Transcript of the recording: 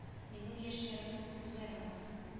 Минем яшь ярымлык үгезләрем бар